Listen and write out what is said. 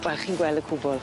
Wel chi'n gwel' y cwbwl!